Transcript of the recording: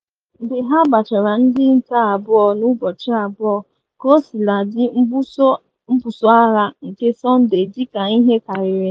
Mgbe ha gbachara ndị nke abụọ n’ụbọchị abụọ, kosiladị, mbuso agha nke Sọnde dị ka ihe karịrị ha.